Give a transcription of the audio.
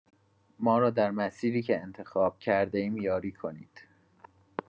ما را در مسیری که انتخاب کرده‌ایم یاری کنید.